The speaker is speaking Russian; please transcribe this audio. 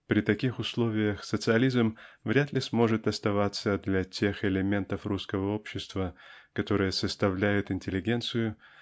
При таких условиях социализм вряд ли может оставаться для тех элементов русского общества которые составляют интеллигенцию